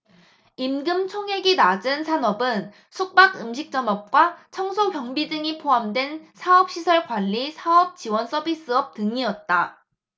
임금총액이 낮은 산업은 숙박 음식점업과 청소 경비 등이 포함된 사업시설관리 사업지원서비스업 등이었다